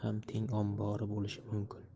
ham teng ombori bo'lishi mumkin